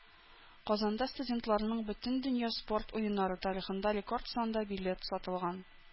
Казанда студентларның Бөтендөнья спорт Уеннары тарихында рекорд санда билет сатылган.